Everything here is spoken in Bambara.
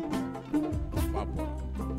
Sanunɛunɛ yo